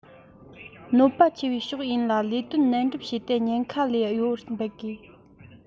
གནོད པ ཆེ བའི ཕྱོགས ཡིན ན ལས དོན ནན སྒྲུབ བྱས ཏེ ཉེན ཁ ལས གཡོལ བར འབད དགོས